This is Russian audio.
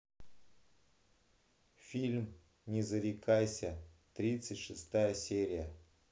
фильм не зарекайся тридцать шестая серия